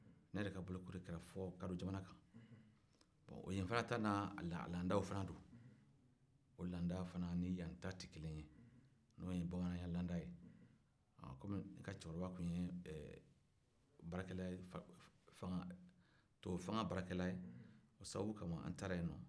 ne yɛrɛ ka bolokoli kɛra fɔ kadɔ jamana kan yen fana ta n'a laadaw fana don o laadaw fana nin yan ta tɛ kelen ye n'o ye bamananya laada ye a kɔmi ne ka cɛkɔrɔba tun ye tubabu fanga baarakɛla ye o sababu kama an taara yen no